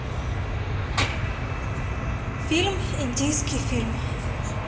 фильм индийский фильм